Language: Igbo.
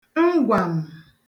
ngwam